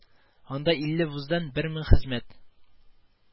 Анда илле вуздан бер мең хезмәт